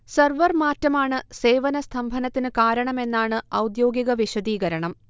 server മാറ്റമാണ് സേവന സ്തംഭനത്തിന് കാരണമെന്നാണ് ഔദ്യോഗിക വിശദീകരണം